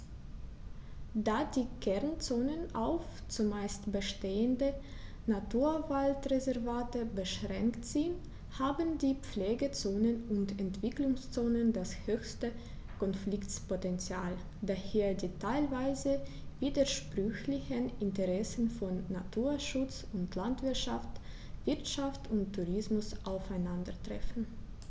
Da die Kernzonen auf – zumeist bestehende – Naturwaldreservate beschränkt sind, haben die Pflegezonen und Entwicklungszonen das höchste Konfliktpotential, da hier die teilweise widersprüchlichen Interessen von Naturschutz und Landwirtschaft, Wirtschaft und Tourismus aufeinandertreffen.